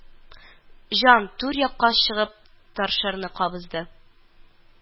Җан, түр якка чыгып, торшерны кабызды